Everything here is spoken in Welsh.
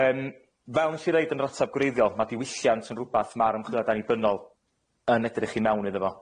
Yym fel nes i reid yn yr ateb gwreiddiol ma' diwylliant yn rwbath ma'r ymchwiliad annibynnol, yn edrych i mewn iddo fo.